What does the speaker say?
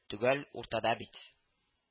– төгәл уртада бит